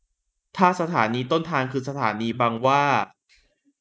ถ้าสถานีต้นทางคือสถานีบางหว้า